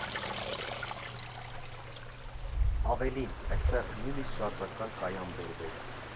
Ավելին՝ այստեղ նույնիսկ շարժական կայան բերվեց։